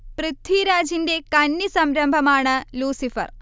പൃഥ്വിരാജിന്റെ കന്നി സംരംഭമാണ് ലൂസിഫർ